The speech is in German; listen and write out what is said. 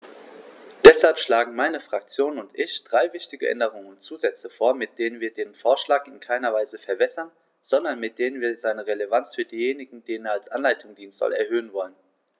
Deshalb schlagen meine Fraktion und ich drei wichtige Änderungen und Zusätze vor, mit denen wir den Vorschlag in keiner Weise verwässern, sondern mit denen wir seine Relevanz für diejenigen, denen er als Anleitung dienen soll, erhöhen wollen.